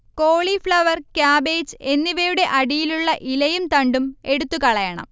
cauliflower, cabbage എന്നിവയുടെ അടിയിലുള്ള ഇലയും തണ്ടും എടുത്തുകളയണം